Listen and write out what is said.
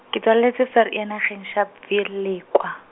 ke tswaletse Vereeniging Sharpeville Lekwa.